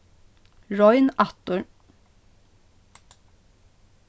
royn aftur